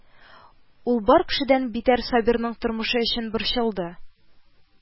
Ул бар кешедән битәр Сабирның тормышы өчен борчылды